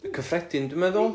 cyffredin dwi'n meddwl...